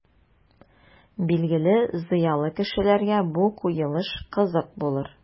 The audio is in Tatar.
Билгеле, зыялы кешеләргә бу куелыш кызык булыр.